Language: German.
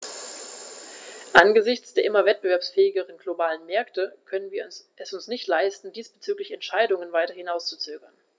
Angesichts der immer wettbewerbsfähigeren globalen Märkte können wir es uns nicht leisten, diesbezügliche Entscheidungen weiter hinauszuzögern.